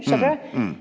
ja ja.